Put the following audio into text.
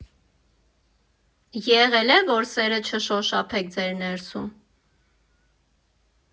Եղե՞լ է, որ սերը չշոշափեք ձեր ներսում։